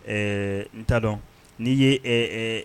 Ɛɛ n t'a dɔn n'i ye